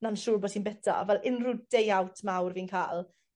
wna'n siwr bo' ti'n bita fel unryw day out mawr fi'n ca'l